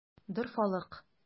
Дорфалык!